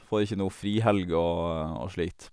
Får ikke noe frihelg og og slit.